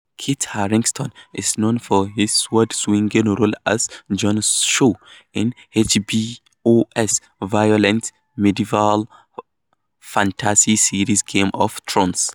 Kit Harington is known for his sword-swinging role as Jon Snow in HBO's violent medieval fantasy series Game of Thrones.